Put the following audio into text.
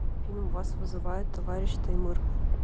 фильм вас вызывает товарищ таймыр